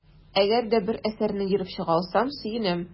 Әгәр дә бер әсәрне ерып чыга алсам, сөенәм.